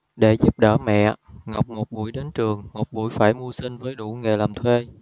để giúp đỡ mẹ ngọc một buổi đến trường một buổi phải mưu sinh với đủ nghề làm thuê